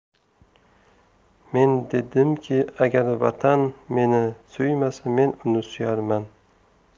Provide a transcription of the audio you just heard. men dedimki agar vatan meni suymasa men uni suyarman